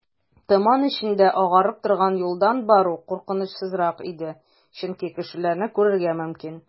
Томан эчендә агарып торган юлдан бару куркынычсызрак иде, чөнки кешеләрне күрергә мөмкин.